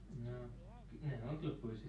no ne on klupuja sitten